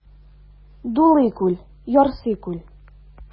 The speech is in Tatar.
Дулый күл, ярсый күл.